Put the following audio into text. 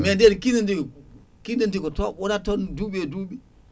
mais nden kindi ndi kindi ndi ko tooɓ wona tan duuɓi